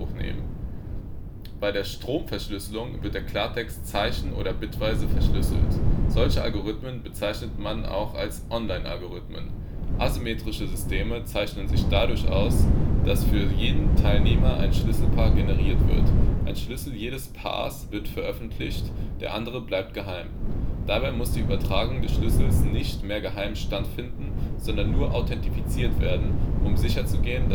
nehmen. Bei der Stromverschlüsselung wird der Klartext zeichen - oder bitweise verschlüsselt. Solche Algorithmen bezeichnet man auch als „ Online-Algorithmen “. Asymmetrische Systeme zeichnen sich dadurch aus, dass für jeden Teilnehmer ein Schlüsselpaar generiert wird. Ein Schlüssel jedes Paars wird veröffentlicht, der andere bleibt geheim. Dadurch muss die Übertragung des Schlüssels nicht mehr geheim stattfinden, sondern nur authentifiziert werden, um sicherzugehen